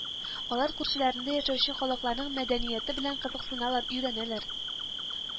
Алар күршеләрендә яшәүче халыкларның мәдәнияте белән кызыксыналар, өйрәнәләр